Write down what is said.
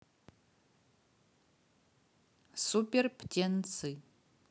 супер птенцы